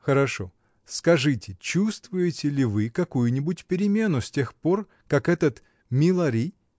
— Хорошо: скажите, чувствуете ли вы какую-нибудь перемену, с тех пор как этот Милари.